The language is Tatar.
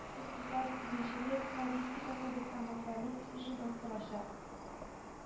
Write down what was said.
Икътисад, игенчелек, логистика кебек тармакларның үсешен арттырачак